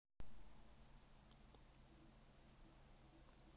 ты идиотка